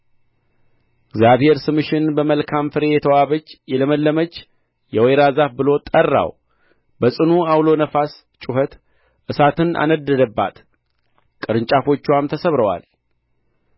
እግዚአብሔር ስምሽን በመልካም ፍሬ የተዋበች የለመለመች የወይራ ዛፍ ብሎ ጠራው በጽኑ ዐውሎ ነፋስ ጩኸት እሳትን አነደደባት ቅርንጫፎችዋም ተሰብረዋል